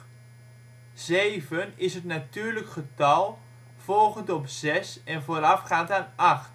zeven) is het natuurlijk getal volgend op 6 en voorafgaand aan 8.